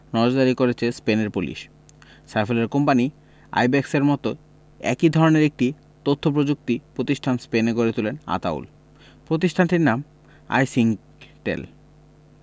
নজরদারি করেছে স্পেনের পুলিশ সাইফুলের কোম্পানি আইব্যাকসের মতো একই ধরনের একটি তথ্যপ্রযুক্তি প্রতিষ্ঠান স্পেনে গড়ে তোলেন আতাউল প্রতিষ্ঠানটির নাম আইসিংকটেল